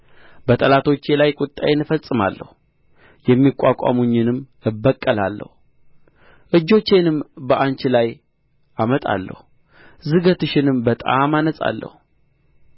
በጠላቶቼ ላይ ቍጣዬን እፈጽማለሁ የሚቋቋሙኝንም እበቀላለሁ እጄንም በአንቺ ላይ አመጣለሁ ዝገትሽንም በጣም አነጻለሁ